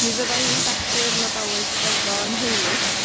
Mi fydda i'n dathlu'r Nadolig efo 'yn nheulu.